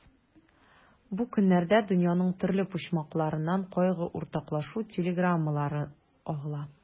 Бу көннәрдә дөньяның төрле почмакларыннан кайгы уртаклашу телеграммалары агыла.